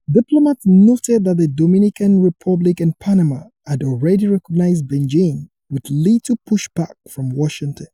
Diplomats noted that the Dominican Republic and Panama had already recognized Beijing, with little pushback from Washington.